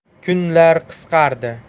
kunlar qisqardi